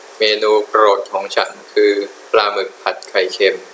เมนูโปรดของฉันคือปลาหมึกผัดไข่เค็ม